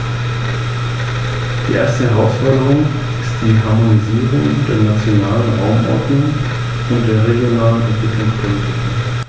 Sie wird dabei von einem Expertenausschuß für Gefahrguttransporte nach dem Regelungsverfahren unterstützt.